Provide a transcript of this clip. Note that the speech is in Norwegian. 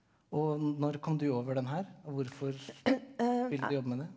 og når kom du over den her og hvorfor vil du jobbe med det?